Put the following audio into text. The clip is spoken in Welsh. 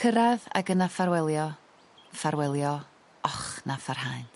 Cyrradd ag yna ffarwelio, ffarwelio, och na ffarhaent.